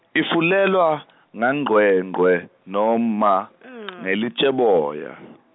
Ifulelwa, ngangcwengcwe, noma ngelitjeboya.